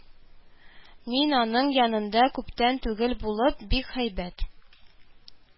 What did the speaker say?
Мин аның янында күптән түгел булып, бик һәйбәт